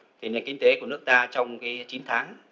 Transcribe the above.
tình hình kinh tế của nước ta trong cái chín tháng